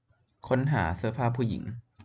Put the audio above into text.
ค้นหาเสื้อผ้าผู้หญิง